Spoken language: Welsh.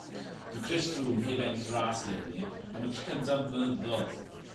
Dyw *Chris Froome heb enill ras eleni ag am y tro cynta am flynyddodd